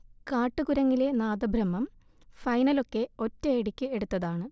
'കാട്ടുകുരങ്ങിലെ നാദബ്രഹ്മം' ഫൈനലൊക്കെ ഒറ്റയടിക്ക് എടുത്തതാണ്